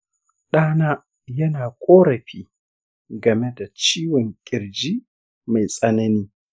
ɗana yana korafi game da ciwon kirji mai tsanani.